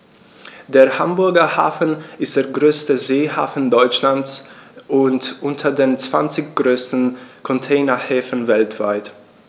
Der Hamburger Hafen ist der größte Seehafen Deutschlands und unter den zwanzig größten Containerhäfen weltweit.